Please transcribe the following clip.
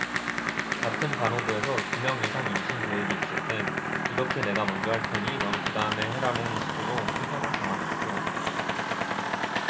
같은 간호부에서 두 명 이상 임신 계획이 있을 땐 이렇게 내가 먼저 할 테니 넌 그다음에 해라는 식으로 순서를 정하는 거죠